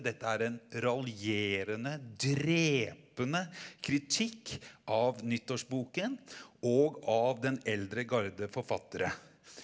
dette er en raljerende, drepende kritikk av nyttårsboken og av den eldre garde forfattere.